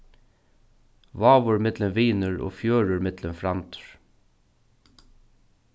vágur millum vinir og fjørður millum frændur